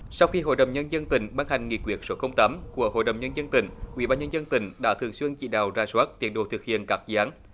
sau khi hội đồng nhân dân tỉnh ban hành nghị quyết số không tám của hội đồng nhân dân tỉnh ủy ban nhân dân tỉnh đã thường xuyên chỉ đạo rà soát tiến độ thực hiện các dự án